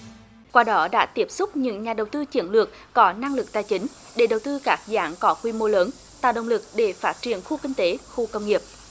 qua đó đã tiếp xúc những nhà đầu tư chiến lược có năng lực tài chính để đầu tư các dự án có quy mô lớn tạo động lực để phát triển khu kinh tế khu công nghiệp